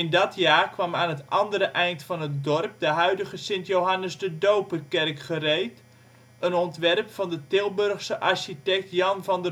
dat jaar kwam aan het andere eind van het dorp de huidige Sint-Johannes de Doperkerk gereed, een ontwerp van de Tilburgse architect Jan van